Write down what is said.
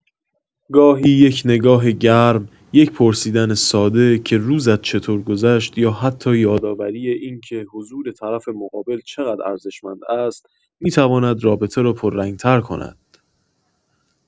گاهی یک نگاه گرم، یک پرسیدن ساده که روزت چطور گذشت یا حتی یادآوری اینکه حضور طرف مقابل چقدر ارزشمند است، می‌تواند رابطه را پررنگ‌تر کند.